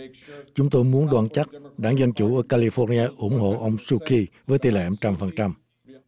chúng tôi muốn đoạn chắc đảng dân chủ ở ca li phóc nha ủng hộ ông su ki với tỷ lệ một trăm phần trăm